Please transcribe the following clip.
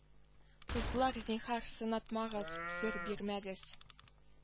Кызлар зинһар сынатмагыз сер бирмәгез